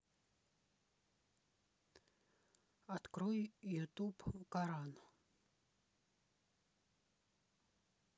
открой ютуб коран